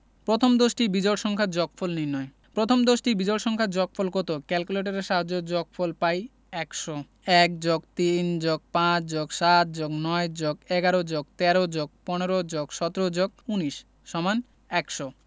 প্রথম দশটি বিজোড় সংখ্যার যগফল নির্ণয় প্রথম দশটি বিজোড় সংখ্যার যোগফল কত ক্যালকুলেটরের সাহায্যে যগফল পাই ১০০ ১+৩+৫+৭+৯+১১+১৩+১৫+১৭+১৯=১০০